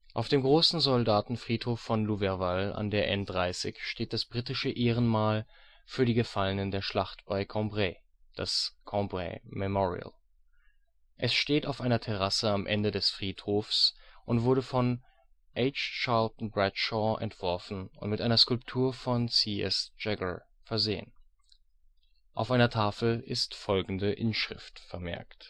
Auf dem großen Soldatenfriedhof von Louverval an der N30 steht das britische Ehrenmal für die Gefallenen der Schlacht bei Cambrai, das Cambrai Memorial. Es steht auf einer Terrasse am Ende des Friedhofs und wurde von H. Chalton Bradshaw entworfen und mit einer Skulptur von C.S. Jagger versehen. Auf einer Tafel ist folgende Inschrift vermerkt